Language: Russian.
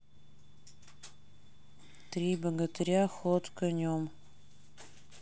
три богатыря ход конем